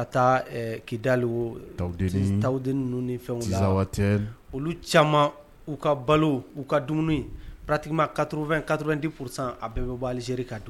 Ka taa ki dalenwuden ninnu ni fɛn olu caman u ka balo u ka dumuni baratima katoro2 kato di psan a bɛɛ bɛ bɔalizeri ka don